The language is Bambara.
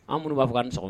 An mun b'a fɔ ka nisɔn kɔnɔ